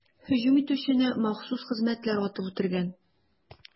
Һөҗүм итүчене махсус хезмәтләр атып үтергән.